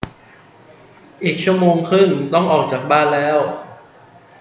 อีกชั่วโมงครึ่งต้องออกจากบ้านแล้ว